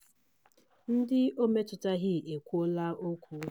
Ndị o metụtaghị ekwuola okwu